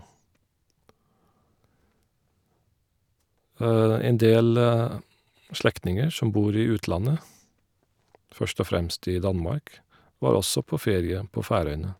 En del slektninger som bor i utlandet, først og fremst i Danmark, var også på ferie på Færøyene.